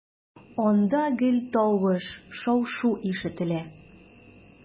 Анда гел тавыш, шау-шу ишетелә.